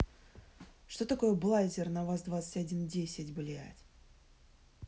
что такое блайзер на ваз двадцать один десять блядь